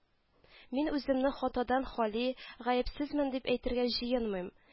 —мин үземне хатадан хали, гаепсезмен дип әйтергә җыенмыйм